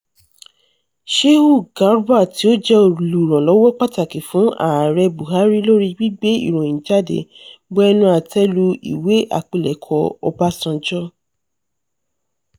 Shehu Garba, tí ó jẹ́ olùrànlọ́wọ́ pàtàkì fún Ààrẹ Buhari lórí gbígbé ìròyìn jáde, bu ẹnu àtẹ́ lu ìwé àpilẹ̀kọ Ọbásanjọ́: